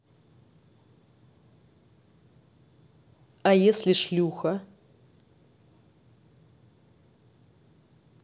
а если шлюха